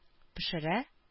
Пешерә